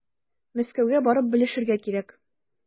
Мәскәүгә барып белешергә кирәк.